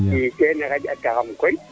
kene xaƴataxam koy